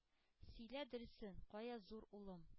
Сөйлә дөресен, кая зур улым?